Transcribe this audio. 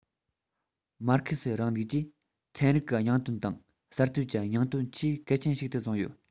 མར ཁེ སིའི རིང ལུགས ཀྱིས ཚན རིག གི སྙིང དོན དང གསར གཏོད ཀྱི སྙིང དོན ཆེས གལ ཆེན ཞིག ཏུ བཟུང ཡོད